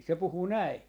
se puhui näin